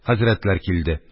Хәзрәтләр килде